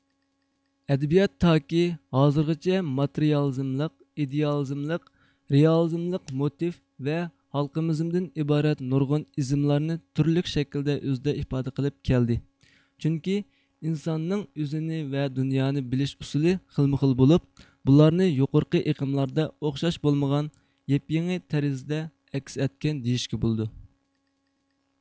ئەدەبىيات تاكى ھازىرغىچە ماتېرىيالىزملىق ئىدېئالىزملىق رېئالىزملىق موتىف ۋە ھالقىمىزمدىن ئىبارەت نۇرغۇن ئىزملارنى تۈرلۈك شەكىلدە ئۆزىدە ئىپادە قىلىپ كەلدى چۈنكى ئىنساننىڭ ئۆزىنى ۋە دۇنيانى بىلىش ئۇسۇلى خىلمۇخىل بولۇپ بۇلارنى يۇقىرىقى ئېقىملاردا ئوخشاش بولمىغان يېپيېڭى تەرىزدە ئەكس ئەتكەن دېيىشكە بولىدۇ